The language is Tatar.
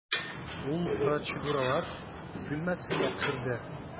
Ул процедуралар бүлмәсенә керде.